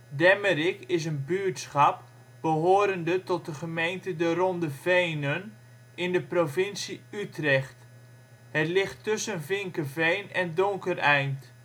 Demmerik is een buurtschap behorende tot de gemeente De Ronde Venen, in de provincie Utrecht. Het ligt tussen Vinkeveen en Donkereind